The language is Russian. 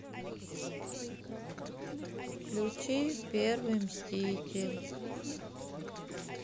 включи первый мститель